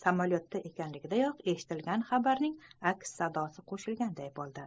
samolyotda ekanligidayoq eshitilgan xabarning aks sadosi qo'shilganday bo'ldi